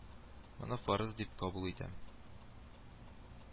Моны фарыз дип кабул итәм